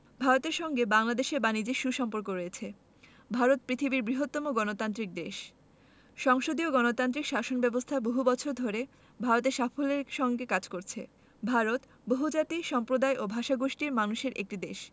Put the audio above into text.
ভারতের সঙ্গে বাংলাদেশের বানিজ্যে সু সম্পর্ক রয়েছে ভারত পৃথিবীর বৃহত্তম গণতান্ত্রিক দেশ সংসদীয় গণতান্ত্রিক শাসন ব্যাবস্থা বহু বছর ধরে ভারতে সাফল্যের সঙ্গে কাজ করছে ভারত বহুজাতি সম্প্রদায় ও ভাষাগোষ্ঠীর মানুষের একটি দেশ